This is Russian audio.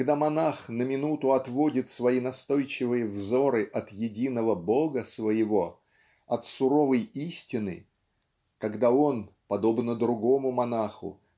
когда монах на минуту отводит свои настойчивые взоры от единого Бога своего от суровой истины когда он подобно другому монаху